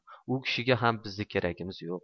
u kishiga ham bizzi keragimiz yo'q